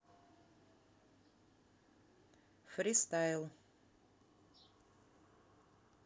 фристайл